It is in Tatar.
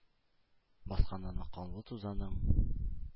Баскан аны канлы тузаның.